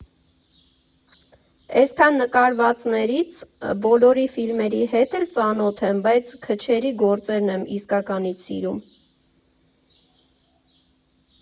Էսքան նկարվածներից բոլորի ֆիլմերի հետ էլ ծանոթ եմ, բայց քչերի գործերն եմ իսկականից սիրում։